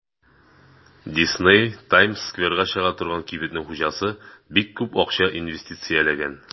Дисней (Таймс-скверга чыга торган кибетнең хуҗасы) бик күп акча инвестицияләгән.